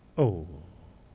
ooh